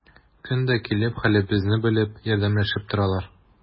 Көн дә килеп, хәлебезне белеп, ярдәмләшеп торалар.